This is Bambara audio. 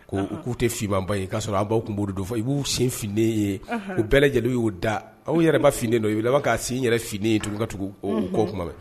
Ko k'u tɛ fimaba ye k'a sɔrɔ aw baw tun b' do fɔ i b'u sen finien ye u bɛɛ jeliw y'o da aw yɛrɛba finien dɔ i' laban k'a sin yɛrɛ finiini ye tun ka tugu kɔ kumabɛ